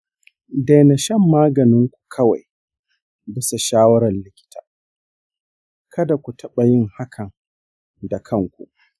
daina shan maganin ku kawai bisa shawarar likita, kada ku taɓa yin hakan da kanku.